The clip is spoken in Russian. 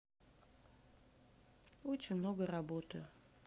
очень много работаю